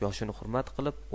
yoshini hurmat qilib